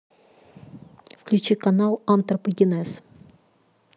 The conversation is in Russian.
включи канал антропогенез